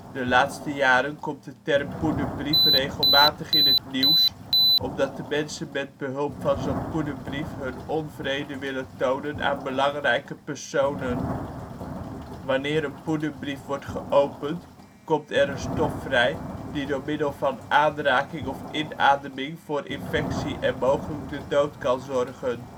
De laatste jaren komt de term poederbrief regelmatig in het nieuws, omdat mensen met behulp van zo 'n poederbrief hun onvrede willen tonen aan belangrijke personen. Wanneer een poederbrief wordt geopend, komt er een stof vrij die door middel van aanraking of inademing voor infectie en mogelijk de dood kan zorgen